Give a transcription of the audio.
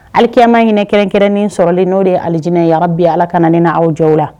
Alekɛyama ɲininɛ kɛrɛnkɛrɛnnen sɔrɔlen n'o de ye alidinɛ yɔrɔ bi ala kanaen aw jɔ la